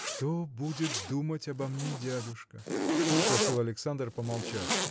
– Что будет думать обо мне дядюшка? – спросил Александр, помолчав.